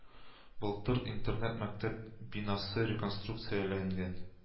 Былтыр интернат-мәктәп бинасы реконструкцияләнгән